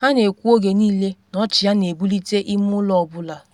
Ha na ekwu oge niile na ọchị ya na ebulite ime ụlọ ọ bụla.”